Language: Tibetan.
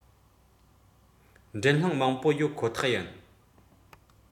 འགྲན སློང མང པོ ཡོད ཁོ ཐག ཡིན